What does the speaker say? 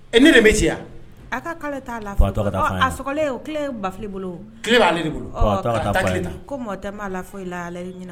ɛ ne de m'e ci wa a ka k'ale t'a la fɔlɔ a sɔgɔlen ye tile ye Bafele bolo o tile b'ale de bolo ɔ taa tile ta